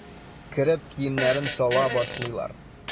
Кереп киемнәрен сала башлыйлар.